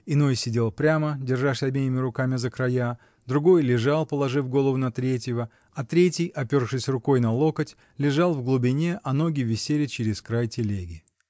иной сидел прямо, держась обеими руками за края, другой лежал, положив голову на третьего, а третий, опершись рукой на локоть, лежал в глубине, а ноги висели через край телеги.